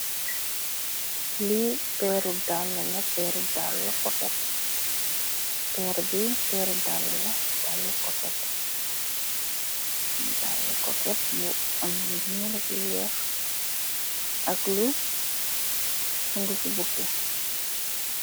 Li perri daala la peri daala kukeet perr bi perri daala la daali kukeet daali kukeet bu am lu nuu lu weex ak lu sogufi bokii.